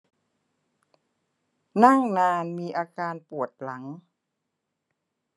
นั่งนานมีอาการปวดหลัง